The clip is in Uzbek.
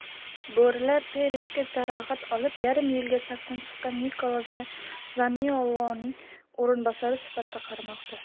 bo'rilar peresga jarohat olib yarim yilga safdan chiqqan nikolo zanioloning o'rinbosari sifatida qaramoqda